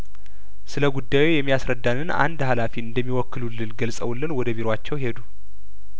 ስለጉዳዩ የሚያስረዳንን አንድ ሀላፊ እንደሚወክሉልን ገልጸውልን ወደ ቢሯቸው ሄዱ